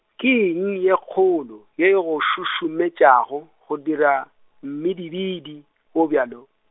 ke eng ye kgolo, ye e go šušumetšago go dira, mmidibidi, wo bjalo?